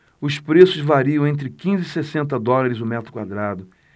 os preços variam entre quinze e sessenta dólares o metro quadrado